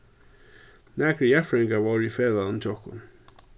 nakrir jarðfrøðingar vóru í ferðalagnum hjá okkum